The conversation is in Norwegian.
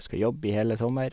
Skal jobbe i hele sommer.